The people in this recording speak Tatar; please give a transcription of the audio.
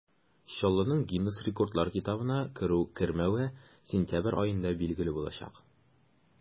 Чаллының Гиннес рекордлар китабына керү-кермәве сентябрь аенда билгеле булачак.